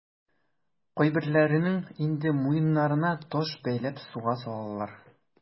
Кайберләренең инде муеннарына таш бәйләп суга салалар.